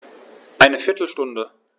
Eine viertel Stunde